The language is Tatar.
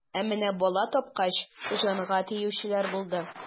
Ә менә бала тапкач, җанга тиючеләр булды.